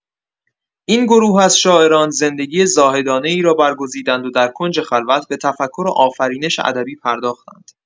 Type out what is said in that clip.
این گروه از شاعران، زندگی زاهدانه‌ای را برگزیدند و در کنج خلوت، به تفکر و آفرینش ادبی پرداختند.